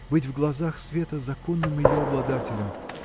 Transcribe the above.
Быть в глазах света законным ее обладателем.